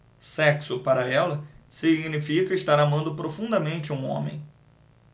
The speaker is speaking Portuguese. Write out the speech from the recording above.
sexo para ela significa estar amando profundamente um homem